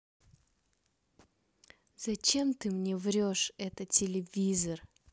зачем ты мне врешь это телевизор